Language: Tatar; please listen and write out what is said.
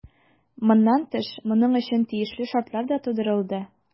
Моннан тыш, моның өчен тиешле шартлар да тудырылды.